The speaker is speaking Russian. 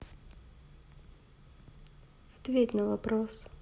ответь на вопрос